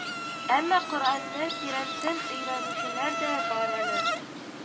Әмма коръәнне тирәнтен өйрәнүчеләр дә бар әле